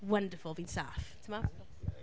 Wonderful, fi'n saff. Timod?